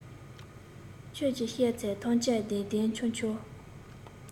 ཁྱོད ཀྱིས བཤད ཚད ཐམས ཅད བདེན བདེན འཆོལ འཆོལ